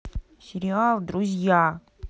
сериал друзья